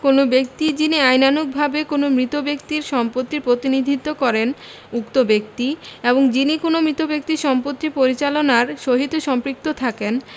কোন ব্যক্তি যিনি আইনানুগভাবে কোন মৃত ব্যক্তির সম্পত্তির প্রতিনিধিত্ব করেন উক্ত ব্যক্তি এবং যিনি কোন মৃত ব্যক্তির সম্পত্তি পরিচালনার সহিত সম্পৃক্ত থাকেন